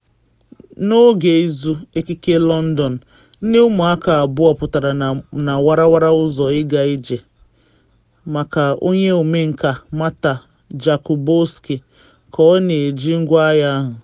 N’oge Izu Ekike London, nne ụmụaka abụọ pụtara na warawara ụzọ ịga ije maka onye ọmenka Marta Jakubowski ka ọ na eji ngwaahịa ahụ.